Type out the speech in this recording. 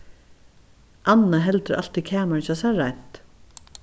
anna heldur altíð kamarið hjá sær reint